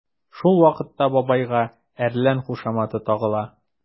Шул вакытта бабайга “әрлән” кушаматы тагыла.